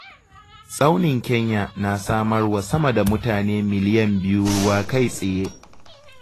Tsaunin Kenya na samar wa sama da mutane miliyan biyu ruwa kai-tsaye.